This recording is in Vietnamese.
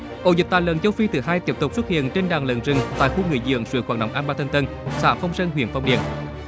ổ dịch tả lợn châu phi thứ hai tiếp tục xuất hiện trên đàn lợn rừng tại khu nghỉ dưỡng suối khoáng nóng an ba thanh tân xã phong xuân huyện phong điền